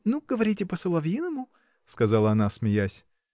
— Ну, говорите по-соловьиному. — сказала она смеясь.